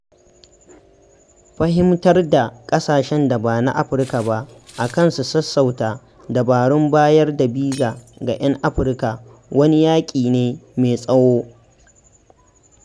Fahimtar da ƙasashen da ba na Afirka a kan su sassauta dabarun bayar da biza ga 'yan Afirka wani yaƙi ne mai tsaho.